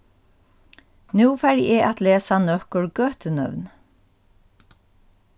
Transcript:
nú fari eg at lesa nøkur gøtunøvn